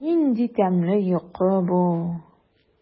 Нинди тәмле йокы бу!